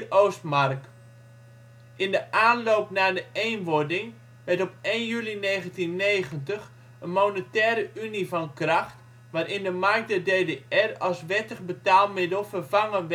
Ostmark. In de aanloop naar de eenwording werd op 1 juli 1990 een monetaire unie van kracht waarin de Mark der DDR als wettig betaalmiddel vervangen